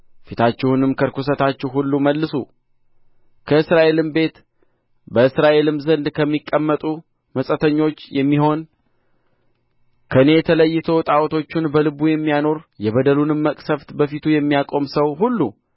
ፊታችሁንም ከርኵሰታችሁ ሁሉ መልሱ ከእስራኤልም ቤት በእስራኤልም ዘንድ ከሚቀመጡ መጻተኞች የሚሆን ከእኔ ተለይቶ ጣዖቶቹን በልቡ የሚያኖር የበደሉንም መቅሠፍት በፊቱ የሚያቆም ሰው ሁሉ